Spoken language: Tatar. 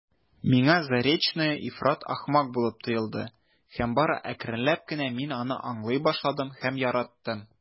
Миңа Заречная ифрат ахмак булып тоелды һәм бары әкренләп кенә мин аны аңлый башладым һәм яраттым.